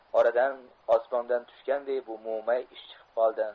oradan osmondan tushganday bu mo'may ish chiqib qoldi